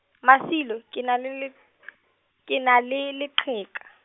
Masilo, ke na le leq-, ke na le leqheka.